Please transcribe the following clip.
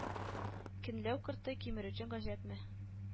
Көнләү корты кимерүе гаҗәпме